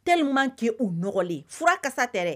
Teeli man kɛ u nɔgɔlen f kasa tɛ dɛ